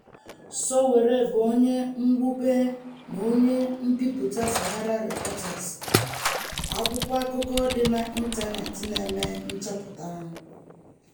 Sowore bụ onye mwube na onye mbipụta SaharaReporters (SR), akwụkwọ akụkọ dị n'ịntaneetị na-eme nchọpụta.